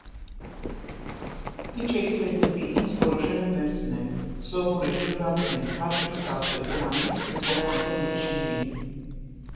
Ինչ եկել է դեպի ինձ, որոշել եմ վերցնել, սովորել, յուրացնել, հաճույք ստացել դրանից ու փոխանցել ուրիշներին։